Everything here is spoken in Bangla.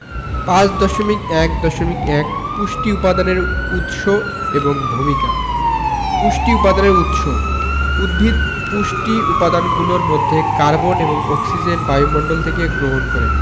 ৫.১.১ পুষ্টি উপাদানের উৎস এবং ভূমিকা পুষ্টি উপাদানের উৎস উদ্ভিদ পুষ্টি উপাদানগুলোর মধ্যে কার্বন এবং অক্সিজেন বায়ুমণ্ডল থেকে গ্রহণ করে